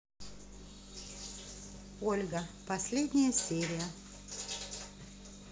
ольга последняя серия